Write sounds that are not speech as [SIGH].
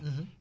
[HESITATION] [HESITATION]